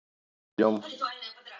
пойдем